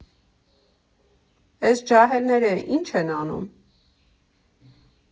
Էս ջահելները ի՜նչ են անում։